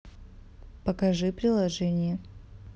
покажи приложение